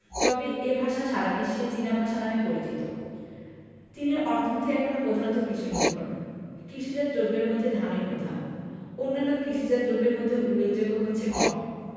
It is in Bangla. তবে এ ভাষা সারা বিশ্বে চীনা ভাষা নামে পরিচিত চীনের অর্থনীতি এখনো প্রধানত কিষিনির্ভর কিষিজাত দ্রব্যের মধ্যে ধানই প্রধান অন্যান্য কিষিজাত দ্রব্যের মধ্যে উল্লেখযোগ্য হচ্ছে গম